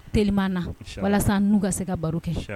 Teliman na walasa n'u ka se ka baro kɛ